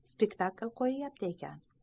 spektakl' qo'yyapti ekan